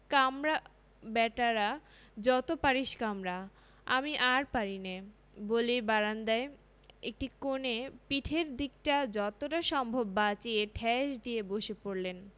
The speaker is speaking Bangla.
কামড়া ব্যাটারা যত পারিস কামড়া আমি আর পারিনে বলেই বারান্দায় একটা কোণে পিঠের দিকটা যতটা সম্ভব বাঁচিয়ে ঠেস দিয়ে বসে পড়লেন